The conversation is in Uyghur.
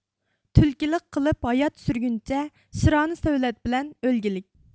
تۈلكىلىك قىلىپ ھايات سۈرگۈنچە شىرانە سۆۋلەت بىلەن ئۆلگىلىك